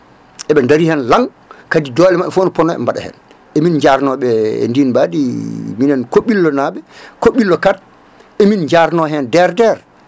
eɓe daari hen lang kadi doole mabɓe foof no ponno eɓe mbaɗa hen emin jarnoɓe e din mbadi min Kobɓillo naɓe Kobɓillo kar emi jarno hen DRDR